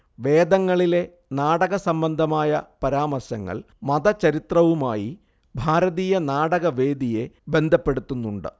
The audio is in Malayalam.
വേദങ്ങളിലെ നാടകസംബന്ധമായ പരാമർശങ്ങൾ മതചരിത്രവുമായി ഭാരതീയ നാടകവേദിയെ ബന്ധപ്പെടുത്തുന്നുണ്ട്